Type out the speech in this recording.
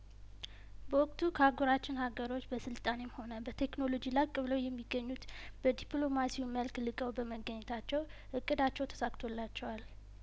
በወቅቱ ከአህጉራችን ሀገሮች በስልጣኔም ሆነ በቴክኖሎጂ ላቅ ብለው የሚገኙት በዲፕሎማሲው መልክ ልቀው በመገኘታቸው እቅዳቸው ተሳክቶላቸዋል